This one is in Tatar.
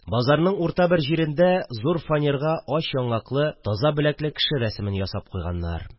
Базарның урта бер җирендә зур фанерга ач яңаклы, таза беләкле кеше рәсемен ясап куйганнар